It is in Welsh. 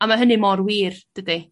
A ma' hynny mor wir dydi?